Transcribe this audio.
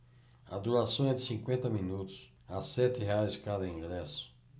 a duração é de cinquenta minutos a sete reais cada ingresso